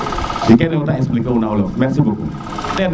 kene ta expliquer u na olof merci beaucoup